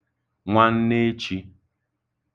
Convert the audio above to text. nwanneechī